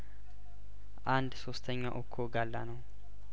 አንድ ሶስተኛው እኮ ጋላ ነው